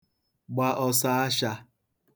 gba ọsọashā